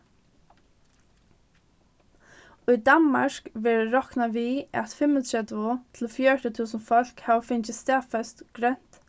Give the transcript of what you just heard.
í danmark verður roknað við at fimmogtretivu til fjøruti túsund fólk hava fingið staðfest grønt